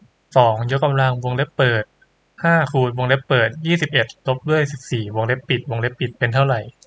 สองยกกำลังวงเล็บเปิดห้าคูณวงเล็บเปิดยี่สิบเอ็ดลบด้วยสิบสี่วงเล็บปิดวงเล็บปิดเป็นเท่าไร